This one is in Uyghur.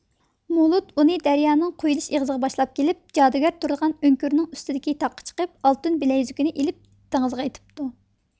مولۇد ئۇنى دەريانىڭ قۇيۇلۇش ئېغىزىغا باشلاپ كېلىپ جادۇگەر تۇرىدىغان ئۆڭكۈرنىڭ ئۈستىدىكى تاغقا چىقىپ ئالتۇن بىلەيزۈكىنى ئېلىپ دېڭىزغا ئېتىپتۇ